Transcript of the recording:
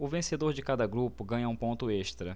o vencedor de cada grupo ganha um ponto extra